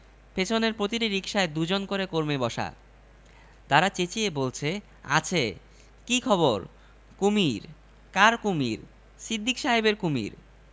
আরো সব সমিতি তৈরি হবে আকাশবাণী শ্রবণ সমিতি রেডিও শীলংকা শ্রবণ সমিতি মুখলেস সাহেব চায়ের কাপ হাতে সিদ্দিক সাহেবের পাশে বসতে বসতে বললেন